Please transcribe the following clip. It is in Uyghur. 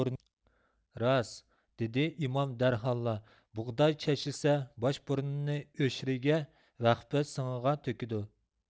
راست دېدى ئىمام دەرھاللا بۇغداي چەشلىسە باش بۇرنىنى ئۆشرىگە ۋەخپە سېڭىغا تۆكىدۇ